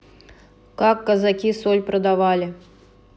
как казаки соль продавали